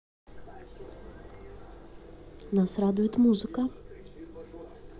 нас радует музыка